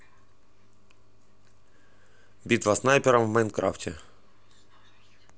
битва снайперов в майнкрафте